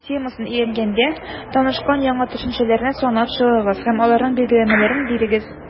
«елгалар» темасын өйрәнгәндә танышкан яңа төшенчәләрне санап чыгыгыз һәм аларның билгеләмәләрен бирегез.